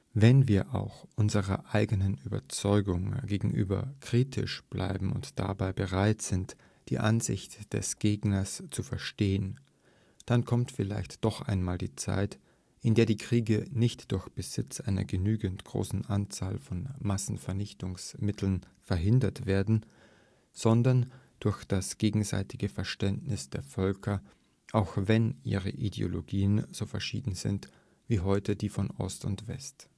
Wenn wir auch unserer eigenen Überzeugung gegenüber kritisch bleiben und dabei bereit sind, die Ansicht des Gegners zu verstehen, dann kommt vielleicht doch einmal die Zeit, in der die Kriege nicht durch Besitz einer genügend großen Anzahl von Massenvernichtungsmitteln verhindert werden, sondern durch das gegenseitige Verständnis der Völker, auch wenn ihre Ideologien so verschieden sind, wie heute die von Ost und West